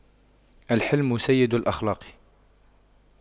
الحِلْمُ سيد الأخلاق